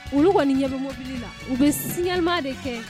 Olu kɔni ɲɛ bɛ mobili la u bɛ sililima de kɛ